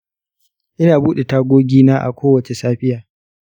ina bude tagogi na a kowace safiya.